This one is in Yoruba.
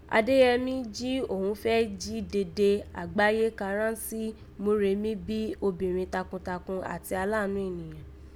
Adéyẹmi jí òghun fẹ́ jí dede àgbáyé kaa rántí Mọ́remí bí i obìnrin takuntakun àti aláàánú ènìyàn